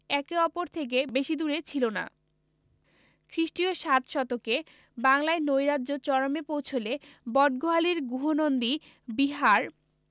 একে অপর থেকে বেশিদূরে ছিল না খ্রিস্টীয় সাত শতকে বাংলায় নৈরাজ্য চরমে পৌঁছলে বটগোহালীর গুহনন্দী বিহার